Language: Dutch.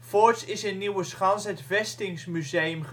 Voorts is in Nieuweschans het Vestingsmuseum